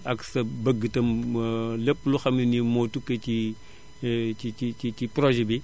ak sa bëgg tam lépp loo xam ne nii moo tukkee ci ci ci ci ci ci projet bi